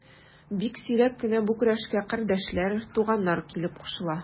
Бик сирәк кенә бу көрәшкә кардәшләр, туганнар килеп кушыла.